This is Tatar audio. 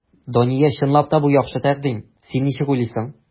Дания, чынлап та, бу яхшы тәкъдим, син ничек уйлыйсың?